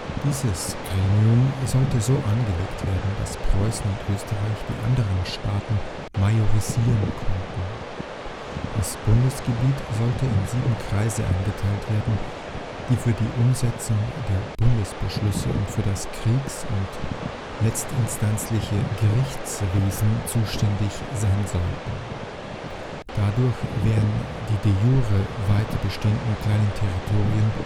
Dieses Gremium sollte so angelegt werden, dass Preußen und Österreich die anderen Staaten majorisieren konnten. Das Bundesgebiet sollte in sieben Kreise eingeteilt werden, die für die Umsetzung der Bundesbeschlüsse und für das Kriegs - und letztinstanzliche Gerichtswesen zuständig sein sollten. Dadurch wären die de jure weiter bestehenden kleinen Territorien